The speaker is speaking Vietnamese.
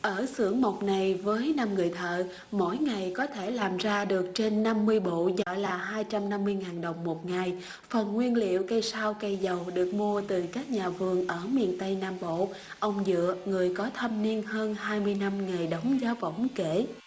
ở xưởng mộc này với năm người thợ mỗi ngày có thể làm ra được trên năm mươi bộ gọi là hai trăm năm mươi ngàn đồng một ngày phần nguyên liệu cây sao cây dầu được mua từ các nhà vườn ở miền tây nam bộ ông dựa người có thâm niên hơn hai mươi năm nghề đóng giá võng kể